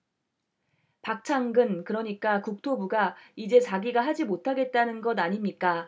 박창근 그러니까 국토부가 이제 자기가 하지 못하겠다는 것 아닙니까